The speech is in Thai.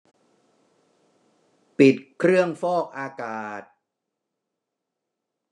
ปิดเครื่องฟอกอากาศ